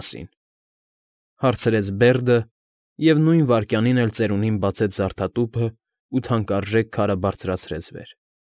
Մասին,֊ հարցրեց Բերդը, և նույն վայրկյանին էլ ծերունին բացեց զարդատուփն ու թանկարժեք քարը բարձրացրեց վեր։